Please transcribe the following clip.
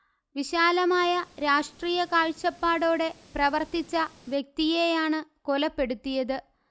വിശാലമായ രാഷ്ട്രിയ കാഴ്ചപ്പാടോടെ പ്രവർത്തിച്ച വ്യക്തിയേയാണ് കൊലപ്പെടുത്തിയത്